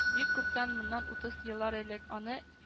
Бик күптән, моннан утыз еллар элек, аны